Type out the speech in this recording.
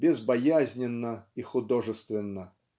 безбоязненно и художественно.